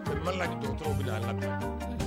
Ba lato bila a lamɛn